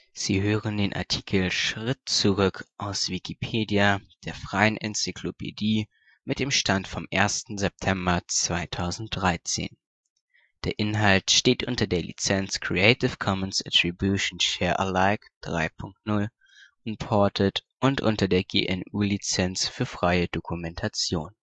Sie hören den Artikel Schritt zurück, aus Wikipedia, der freien Enzyklopädie. Mit dem Stand vom Der Inhalt steht unter der Lizenz Creative Commons Attribution Share Alike 3 Punkt 0 Unported und unter der GNU Lizenz für freie Dokumentation